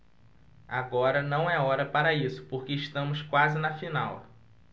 agora não é hora para isso porque estamos quase na final